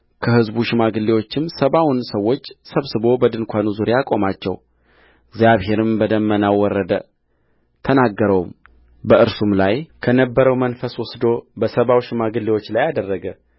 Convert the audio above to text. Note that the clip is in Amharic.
ከሕዝቡ ሽማግሌዎችም ሰባውን ሰዎች ሰብስቦ በድንኳኑ ዙሪያ አቆማቸውእግዚአብሔር በደመናው ወረደ ተናገረውም በእርሱም ላይ ከነበረው መንፈስ ወስዶ በሰባው ሽማግሌዎች ላይ አደረገ